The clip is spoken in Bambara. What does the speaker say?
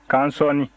k'an sɔɔni